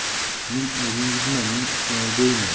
men o'zingizman men ismoilbeyman